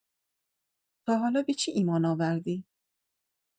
تا حالا به چی ایمان آوردی؟